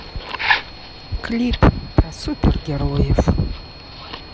клип про супергероев